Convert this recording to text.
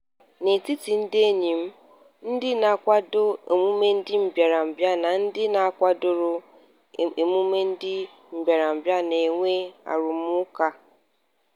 N'etiti ndị enyi m, ndị n'akwadoghị emume ndị mbịarambịa na ndị kwadoro emume ndị mbịarambịa na-enwe arụmụka.